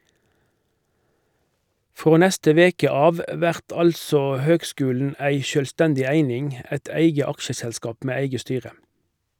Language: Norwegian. Frå neste veke av vert altså høgskulen ei sjølvstendig eining, eit eige aksjeselskap med eige styre.